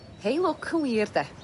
Hei lwc y' wir 'de?